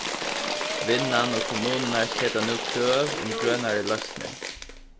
vinnan og kommunurnar seta nú krøv um grønari loysnir